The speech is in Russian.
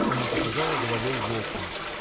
— она показала головой в окна.